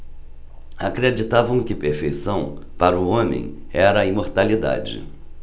acreditavam que perfeição para o homem era a imortalidade